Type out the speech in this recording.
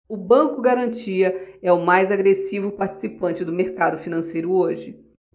o banco garantia é o mais agressivo participante do mercado financeiro hoje